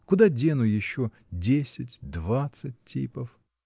Куда дену еще десять-двадцать типов?.